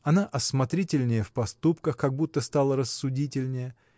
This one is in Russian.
Она осмотрительнее в поступках, как будто стала рассудительнее.